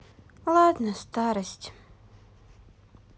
ладно старость